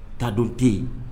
Tadon tɛ yen